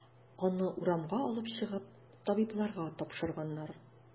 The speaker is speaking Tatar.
Аны урамга алып чыгып, табибларга тапшырганнар.